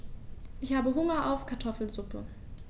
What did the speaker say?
Ich habe Hunger auf Kartoffelsuppe.